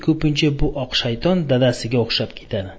kupincha bu ok shayton dadasiga uxshab ketadi